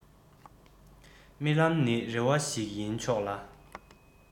རྨི ལམ ནི རེ བ ཞིག ཡིན ཆོག ལ